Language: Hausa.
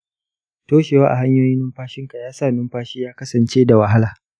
toshewa a hanyoyin numfashinka ya sa numfashi ya kasance da wahala.